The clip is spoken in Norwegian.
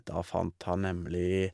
Da fant han nemlig...